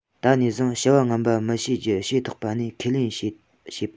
ད ནས བཟུང བྱ བ ངན པ མི བྱེད རྒྱུ ཞེ ཐག པ ནས ཁས ལེན ཞུས པ ཡིན